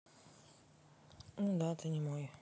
ну да ты не мой